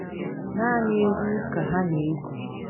“Naanị egwu ka ha na egu.